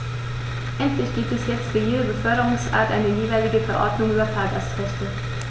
Endlich gibt es jetzt für jede Beförderungsart eine jeweilige Verordnung über Fahrgastrechte.